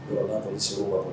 n'a ka b'a kɔ